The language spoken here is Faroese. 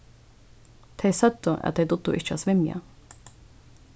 tey søgdu at tey dugdu ikki at svimja